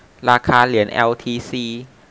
ราคาเหรียญแอลทีซี